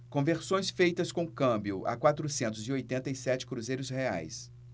conversões feitas com câmbio a quatrocentos e oitenta e sete cruzeiros reais